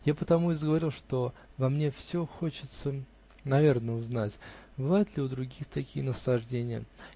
Я потому и заговорил, что мне все хочется наверно узнать: бывают ли у других такие наслаждения?